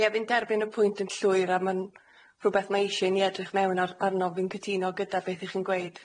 Ie fi'n derbyn y pwynt yn llwyr a ma'n rhwbeth ma' isie i ni edrych mewn ar arno fi'n cytuno gyda'r beth i chi'n gweud.